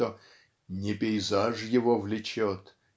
что "не пейзаж его влечет